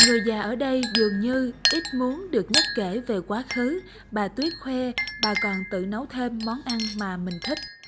người già ở đây dường như ít muốn được nhắc kể về quá khứ bà tuyết khoe bà còn tự nấu thêm món ăn mà mình thích